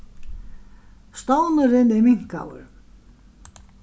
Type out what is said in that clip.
stovnurin er minkaður